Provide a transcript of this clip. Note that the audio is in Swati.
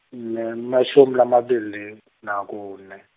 ngine, mashumi lamabili, nakune.